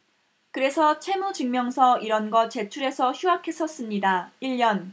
그래서 채무증명서 이런 거 제출해서 휴학했었습니다 일 년